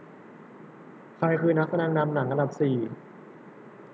ใครคือนักแสดงนำหนังอันดับสี่